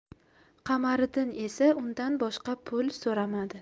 qamariddin esa undan boshqa pul so'ramadi